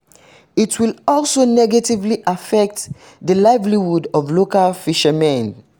It will also negatively affect the livelihoods of local fishermen.